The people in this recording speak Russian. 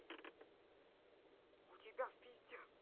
у тебя в пизде